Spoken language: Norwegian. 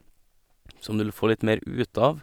Som du vil få litt mer ut av.